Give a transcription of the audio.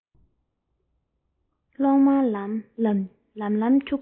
གློག དམར ལམ ལམ འཁྱུག